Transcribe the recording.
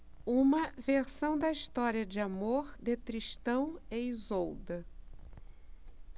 uma versão da história de amor de tristão e isolda